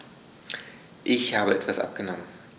Ich habe etwas abgenommen.